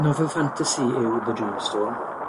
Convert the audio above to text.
Nofel ffantasi yw The Dreamstone,